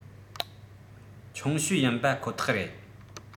ཆུང ཤོས ཡིན པ ཁོ ཐག རེད